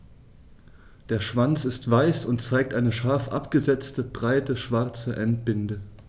Der Schwanz ist weiß und zeigt eine scharf abgesetzte, breite schwarze Endbinde.